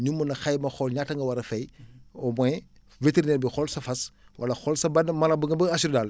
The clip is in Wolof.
ñu mun a xayma xool ñaata nga war a fayau moins vétérinaire bi xool sa fas wala xool sa benn mala bi nga bëgg a assurer daal